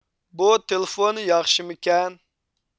بۇ تېلېفون ياخشىمىكەن